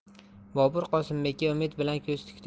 bobur qosimbekka umid bilan ko'z tikdi